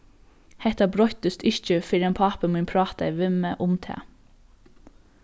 hetta broyttist ikki fyrr enn pápi mín prátaði við meg um tað